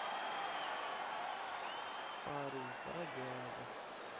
парень бродяга